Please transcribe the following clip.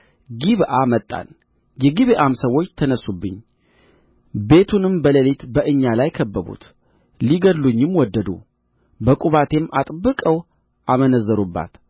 ጊብዓ መጣን የጊብዓም ሰዎች ተነሡብኝ ቤቱንም በሌሊት በእኛ ላይ ከበቡት ሊገድሉኝም ወደዱ በቁባቴም አጥብቀው አመነዘሩባት